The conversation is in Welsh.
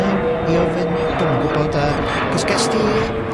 i ofyn. Ie. Dw'm yn gwbod a, 'c'os gest di...